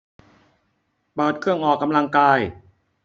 เปิดเครื่องออกกำลังกาย